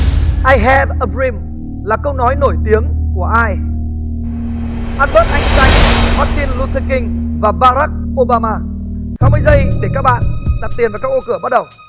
ai he vờ ợp rim là câu nói nổi tiếng của ai an bớt anh tanh mắc tin lu thơ kinh và ba rắc ô ba ma sáu mươi giây để các bạn đặt tiền vào các ô cửa bắt đầu